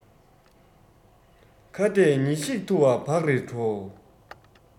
ཁྭ ཏས ཉི ཤིག འཐུ བ བག རེ དྲོ